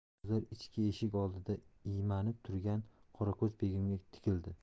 barcha ko'zlar ichki eshik oldida iymanib turgan qorako'z begimga tikildi